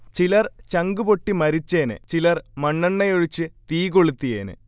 ചിലർ ചങ്കുപൊട്ടി മരിച്ചേനെ, ചിലർ മണ്ണെണ്ണയൊഴിച്ച് തീ കൊളുത്തിയേനെ